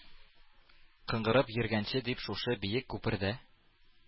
Каңгырып йөргәнче дип шушы биек күпердә